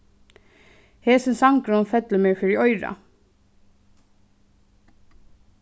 hesin sangurin fellur mær fyri oyrað